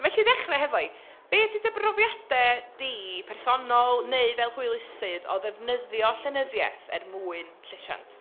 Felly, i ddechrau efo hi, be ydy dy brofiadau di, personol neu fel hwylusydd, o ddefnyddio llenyddiaeth er mwyn llesiant?